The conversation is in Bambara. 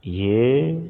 Ee